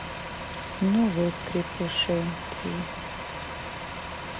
новые скрепыши три